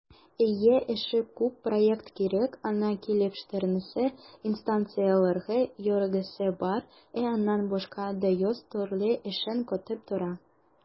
Әйе, эше күп - проект кирәк, аны килештерәсе, инстанцияләргә йөгерәсе бар, ә аннан башка да йөз төрле эшең көтеп тора.